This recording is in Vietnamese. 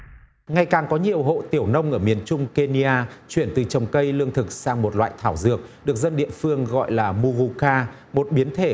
ngày càng có nhiều hộ tiểu nông ở miền trung kê ni a chuyển từ trồng cây lương thực sang một loại thảo dược được dân địa phương gọi là bu hô ca một biến thể